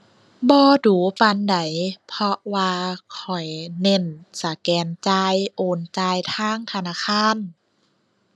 บ่ดู๋ปานใด เพราะว่าข้อยเน้นสแกนจ่าย โอนจ่ายทางธนาคาร